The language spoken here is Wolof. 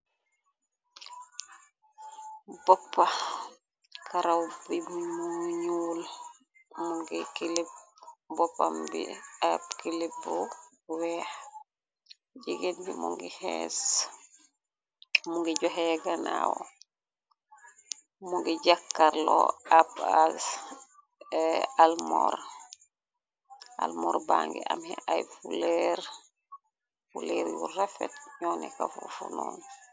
Boppa karaw bo ñuul mungi kilib boppam bi ab kilib bu weex jigéen bi mungi xees mungi joxee ganaaw mungi jàkkar loo ab a almorr almorr bangi ame ay fuloor floor yu rafet nyu neka fofu nonu.